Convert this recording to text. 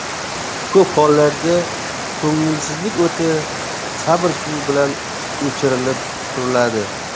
ko'p hollarda ko'ngilsizlik o'ti sabr suvi bilan o'chirilib turiladi